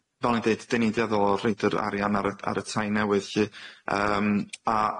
Fel o'n i'n deud, 'de ni'n dueddol o rhoid yr arian ar y ar y tai newydd lly. Yym a-